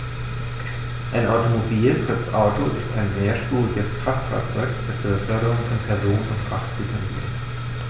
Ein Automobil, kurz Auto, ist ein mehrspuriges Kraftfahrzeug, das zur Beförderung von Personen und Frachtgütern dient.